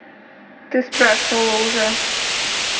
ты спрашивала уже